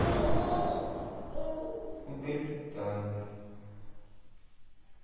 удалить таймер